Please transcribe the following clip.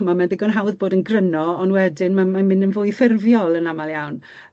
Ch'mo', ma'n ddigon hawdd bod yn gryno, on' wedyn ma' mae'n mynd yn fwy ffurfiol yn amal iawn.